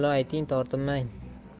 mullo ayting tortinmang